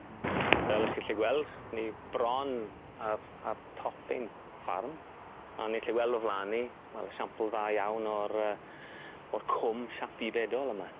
Fel 'ych chi 'llu gweld ni bron ar ar top ein ffarm a ni 'llu gweld o flan ni wel esiampl dda iawn o'r yy o'r cwm siâp u bedol yma.